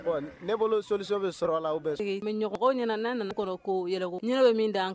Ne bolo soliso bɛ sɔrɔ la bɛ mɛɲɔgɔnɔgɔ ɲɛna ne nana kɔrɔ ko yɛrɛ bɛ min dan